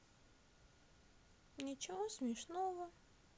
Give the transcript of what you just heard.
ничего смешного